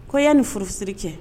Ko i yan nin furusiri kɛ